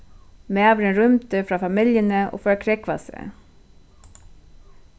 maðurin rýmdi frá familjuni og fór at krógva seg